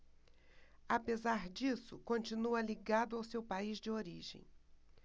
apesar disso continua ligado ao seu país de origem